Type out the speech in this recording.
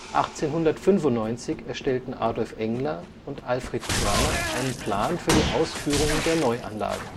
1895 erstellten Adolf Engler und Alfred Koerner einen Plan für die Ausführung der Neuanlage